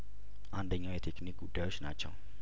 አንደኛው የቴክኒክ ጉዳዮች ናቸው